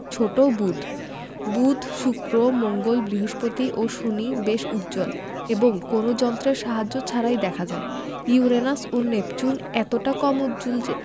ছোট বুধ বুধ শুক্র মঙ্গল বৃহস্পতি ও শনি বেশ উজ্জ্বল এবং কোনো যন্ত্রের সাহায্য ছাড়াই দেখা যায় ইউরেনাস ও নেপচুন এতটা কম উজ্জ্বল যে